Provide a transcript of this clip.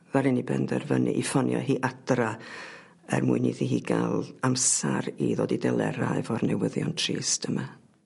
...ddaru ni benderfynu i ffonio hi adra er mwyn iddi hi ga'l amsar i ddod i delera efo'r newyddion trist yma.